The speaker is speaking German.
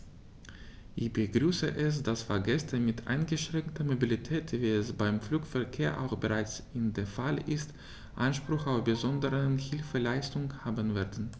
Ich begrüße es, dass Fahrgäste mit eingeschränkter Mobilität, wie es beim Flugverkehr auch bereits der Fall ist, Anspruch auf besondere Hilfeleistung haben werden.